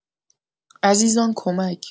عزیزان کمک